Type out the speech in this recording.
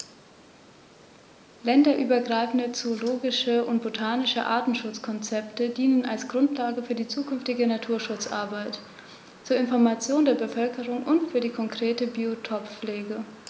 Länderübergreifende zoologische und botanische Artenschutzkonzepte dienen als Grundlage für die zukünftige Naturschutzarbeit, zur Information der Bevölkerung und für die konkrete Biotoppflege.